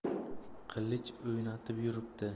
qilich o'ynatib yuribdi